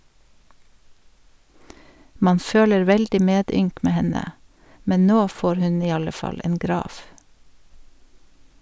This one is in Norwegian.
Man føler veldig medynk med henne, men nå får hun i alle fall en grav.